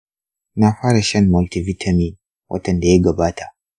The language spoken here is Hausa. na fara shan multivitamin watan da ya gabata.